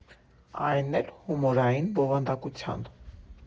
Այն էլ՝ հումորային բովանդակության։